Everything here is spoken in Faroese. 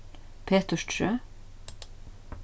peturstrøð